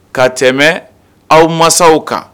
Ka tɛmɛ aw masaw kan